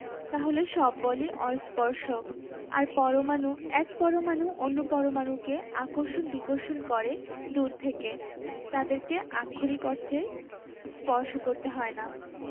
তাহলে সব বলই অস্পর্শক আর পরমাণু এক পরমাণু অন্য পরমাণুকে আকর্ষণ বিকর্ষণ করে দূর থেকে তাদেরকে আক্ষরিক অর্থে স্পর্শ করতে হয় না